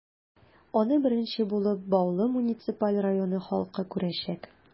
Аны беренче булып, Баулы муниципаль районы халкы күрәчәк.